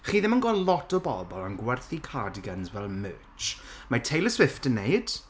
chi ddim yn gweld lot o bobl yn gwerthu cardigans fel merch, mae Taylor Swift yn wneud